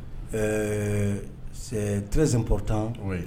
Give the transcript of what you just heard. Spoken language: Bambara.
Ɛɛ c'est très important oui